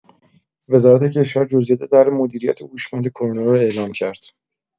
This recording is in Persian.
وزارت کشور، جزئیات طرح مدیریت هوشمند کرونا را اعلام کرد.